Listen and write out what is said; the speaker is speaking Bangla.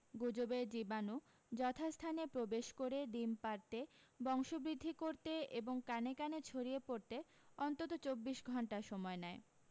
গুজবের জীবাণু যথাস্থানে প্রবেশ করে ডিম পাড়তে বংশবৃদ্ধি করতে এবং কানে কানে ছড়িয়ে পড়তে অন্তত চব্বিশ ঘণ্টা সময় নেয়